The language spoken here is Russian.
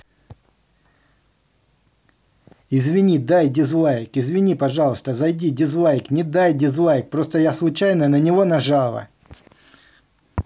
извини дай дизлайк извини пожалуйста зайди дизлайк не дай дизлайк просто я случайно на него нажала